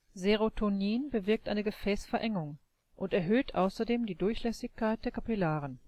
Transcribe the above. Serotonin bewirkt eine Gefäßverengung, und erhöht außerdem die Durchlässigkeit der Kapillaren